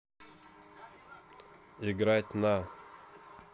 играть на